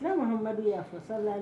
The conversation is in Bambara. Fulamamadu yan a sa la